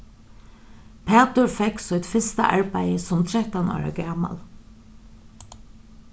pætur fekk sítt fyrsta arbeiði sum trettan ára gamal